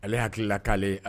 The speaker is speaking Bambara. Ale hakilila k'ale